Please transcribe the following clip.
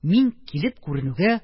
Мин килеп күренүгә,